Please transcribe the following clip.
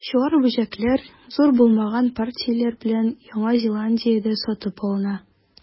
Чуар бөҗәкләр, зур булмаган партияләр белән, Яңа Зеландиядә сатып алына.